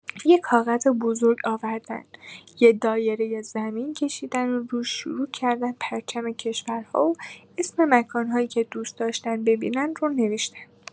یه کاغذ بزرگ آوردن، یه دایرۀ زمین کشیدن و روش شروع‌کردن پرچم کشورها و اسم مکان‌هایی که دوست‌داشتن ببینن رو نوشتن.